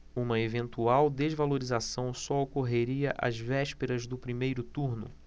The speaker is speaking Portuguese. uma eventual desvalorização só ocorreria às vésperas do primeiro turno